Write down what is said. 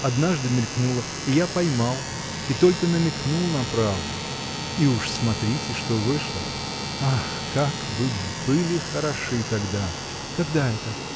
однажды мелькнуло, и я поймал, и только намекнул на правду, и уж смотрите, что вышло. Ах, как вы были хороши тогда! — Когда это?